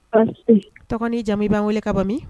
Basi tɛ yen. Tɔgɔ ni jamu, an b'an wele ka bɔ min?